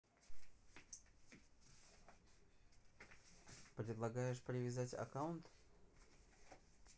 предлагаешь привязать аккаунт